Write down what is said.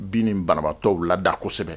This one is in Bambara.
Bin ni banabatɔw la da kosɛbɛ